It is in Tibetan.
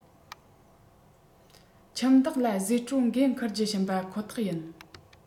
ཁྱིམ བདག ལ བཟོས སྤྲོད འགན འཁུར རྒྱུ བྱིན པ ཁོ ཐག ཡིན